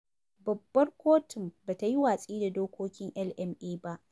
Babbar Kotun ba ta yi watsi da dokokin na LMA ba.